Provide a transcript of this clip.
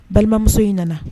Balimamuso in nana